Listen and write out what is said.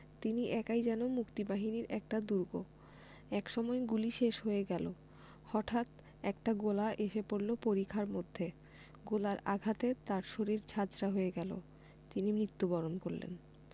তিনি একাই যেন মুক্তিবাহিনীর একটা দুর্গ একসময় গুলি শেষ হয়ে গেল হটাঠ একটা গোলা এসে পড়ল পরিখার মধ্যে গোলার আঘাতে তার শরীর ঝাঁঝরা হয়ে গেল তিনি মিত্যুবরণ করলেন